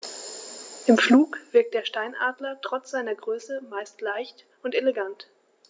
Im Flug wirkt der Steinadler trotz seiner Größe meist sehr leicht und elegant.